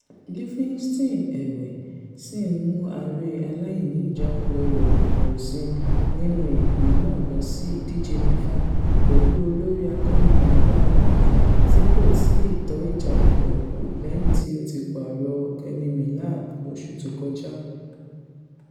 Livingston, ẹ̀wẹ̀, sì ń mú aré aílàní-ìjákulẹ̀ rẹ gbòòrò síi nínú ìpín náà lọsí ìdíje mẹ́fà, pẹ̀lú olórí akọ́nimọ̀-ọ́n-gbá Holt tí kò tíì tọ́ ìjákulẹ̀ wo lẹ́yìn tí ó ti pààrọ̀ Kenny Miller lóṣu tó kọjá.